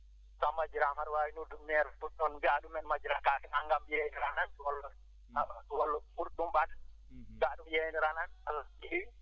so a majjiraama aɗa waawi noddu maire mo toon mbiyaa ɗumen majjiraa kaake nanngam yeeynan amen walla walla ɗum * mbiya ɗum yeeynan amen walla *